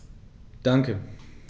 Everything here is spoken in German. Danke.